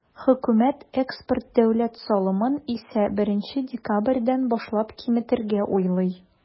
Хөкүмәт экспорт дәүләт салымын исә, 1 декабрьдән башлап киметергә уйлый.